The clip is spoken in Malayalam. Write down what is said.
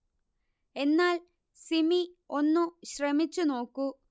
എന്നാൽ സിമി ഒന്നു ശ്രമിച്ചു നോക്കൂ